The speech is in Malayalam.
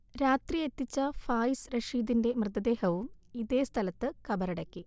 രാത്രി എത്തിച്ച ഫായിസ് റഷീദിന്റെ മൃതദേഹവും ഇതേസ്ഥലത്ത് കബറടക്കി